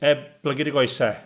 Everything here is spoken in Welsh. Heb blygu dy goesau?